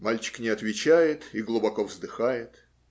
Мальчик не отвечает и глубоко вздыхает.